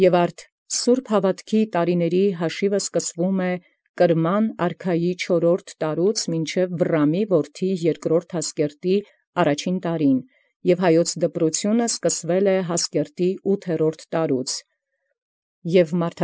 Եւ արդ առնու համար ամաց սրբոց հաւատոց ի չորրորդում ամէն Կրմանայ արքայի մինչև ցառաջին ամն երկրորդ Յազկերտի որդւոյ Վռամայ, և դպրութեանն Հայոց յութերորդ ամէ Յազկերտի առեալ սկիզբն։